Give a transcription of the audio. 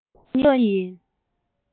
རྡོག རྡོག གཉིས ཡིན